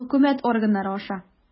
Хөкүмәт органнары аша.